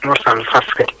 Mor Sall Fass *